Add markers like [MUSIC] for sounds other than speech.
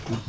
[HESITATION]